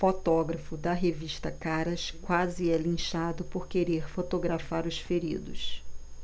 fotógrafo da revista caras quase é linchado por querer fotografar os feridos